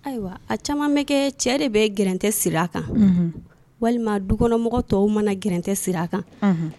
Ayiwa a caman bɛ kɛ cɛ de bɛ g tɛ sira a kan walima dukɔnɔmɔgɔ tɔw mana g tɛ sira a kan